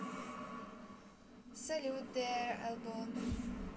салют dr alban